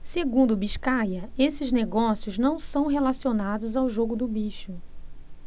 segundo biscaia esses negócios não são relacionados ao jogo do bicho